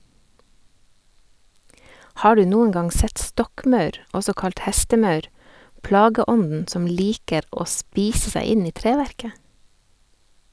Har du noen gang sett stokkmaur , også kalt hestemaur, plageånden som liker å spise seg inn i treverket?